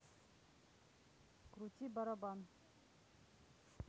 крути барабан